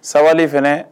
Sabali fana